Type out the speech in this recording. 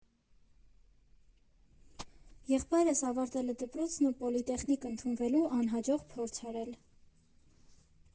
Եղբայրս ավարտել է դպրոցն ու պոլիտեխնիկ ընդունվելու անհաջող փորձ արել։